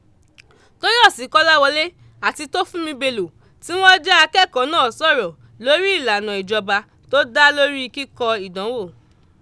Tóyọ̀sí Kọ́láwolé àti Tófúnmi Belò tí wọ́n jẹ́ akẹ́kọ̀ọ́ náà sọ̀rọ̀ lórí ìlànà ìjọba tó dá lórí kíkọ ìdánwò.